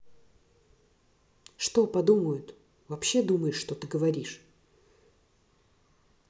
что подумают вообще думаешь что ты говоришь